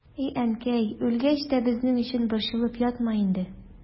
И әнкәй, үлгәч тә безнең өчен борчылып ятма инде.